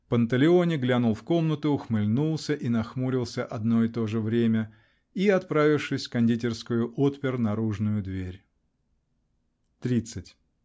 Панталеоне глянул в комнату, ухмыльнулся и нахмурился в одно и то же время -- и, отправившись в кондитерскую, отпер наружную дверь. Тридцать.